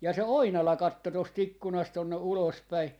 ja se Oinala katsoi tuosta ikkunasta tuonne ulos päin